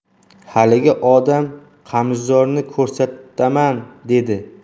haligi odam qamishzorni ko'rsataman dedi